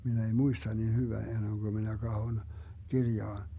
minä ei muista niin hyvä ennen kuin minä katson kirjaan